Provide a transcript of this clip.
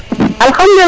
Alkhadoulila